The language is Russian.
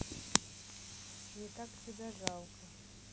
не так тебя жалко